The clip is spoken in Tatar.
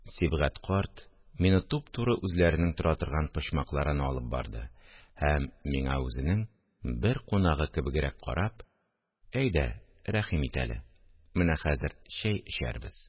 Сибгать карт мине туп-туры үзләренең тора торган почмакларына алып барды һәм, миңа үзенең бер кунагы кебегрәк карап: – Әйдә, рәхим ит әле. Менә хәзер чәй эчәрбез